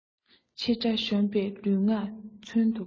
ཕྱི དགྲ གཞོམ པའི ལུས ངག མཚོན དུ འབར